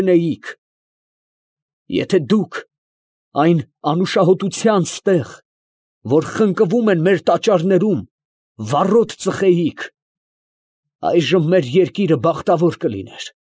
Գնեիք. ֊ եթե դուք այն անուշահոտությանց տեղ, որ խնկվում են մեր տաճարներում, վառոդ ծխեիք, ֊ այժմ մեր երկիրը բախտավոր կլիներ։